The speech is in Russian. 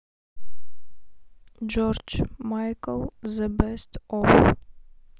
джордж майкл зе бест оф